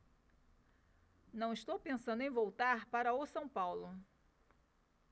não estou pensando em voltar para o são paulo